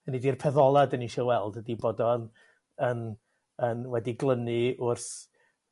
Hynny 'di'r peth ola' 'dyn ni isio weld ydi bod o yn yn yn wedi glynu wrth